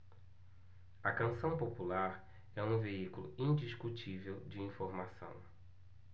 a canção popular é um veículo indiscutível de informação